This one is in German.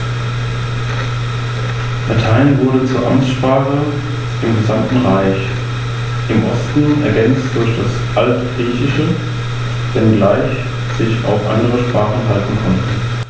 Das Rechtswesen im antiken Rom beinhaltete elementare zivil- und strafrechtliche Verfahrensvorschriften in der Rechtsordnung, die vom Grundsatz her in die modernen Rechtsnormen eingeflossen sind.